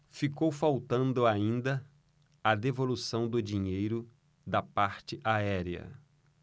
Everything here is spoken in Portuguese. ficou faltando ainda a devolução do dinheiro da parte aérea